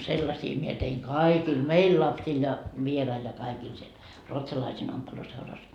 sellaisia minä tein kaikille meidän lapsille ja vieraille ja kaikille siellä ruotsalaisten ompeluseurassa